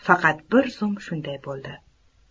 faqat bir zum shunday bo'ldi